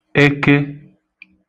eke